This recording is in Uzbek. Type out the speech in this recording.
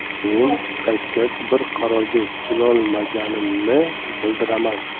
men qaytgach bir qarorga kelolmaganimni bildiraman